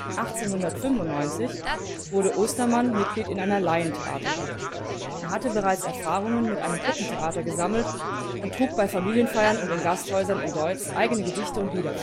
1895 wurde Ostermann Mitglied in einer Laientheatergruppe. Er hatte bereits Erfahrungen mit einem Puppentheater gesammelt und trug bei Familienfeiern und in Gasthäusern in Deutz eigene Gedichte und Lieder